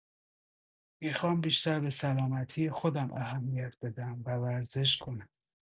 می‌خوام بیشتر به سلامتی خودم اهمیت بدم و ورزش کنم.